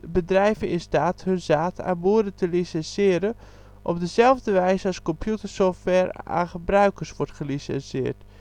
bedrijven in staat hun zaad aan boeren te licenseren op dezelfde wijze als computer software aan gebruikers wordt gelicenseerd